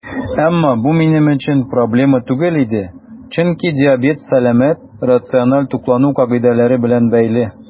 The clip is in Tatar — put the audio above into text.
Әмма бу минем өчен проблема түгел иде, чөнки диабет сәламәт, рациональ туклану кагыйдәләре белән бәйле.